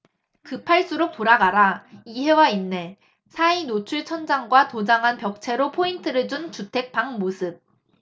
급할수록 돌아가라 이해와 인내 사이노출 천장과 도장한 벽체로 포인트를 준 주택 방 모습